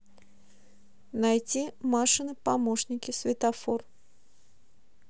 найти машины помощники светофор